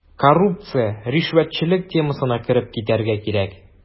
Коррупция, ришвәтчелек темасына кереп китәргә кирәк.